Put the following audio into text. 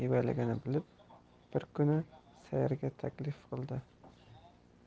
bevaligini bilib bir kuni sayrga taklif qildi